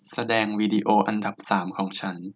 แสดงวิดีโออันดับสามของฉัน